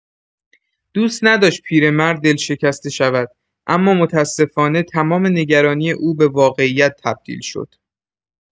دوست نداشت پیرمرد دلشکسته شود، اما متاسفانه تمام نگرانی او به واقعیت تبدیل شد.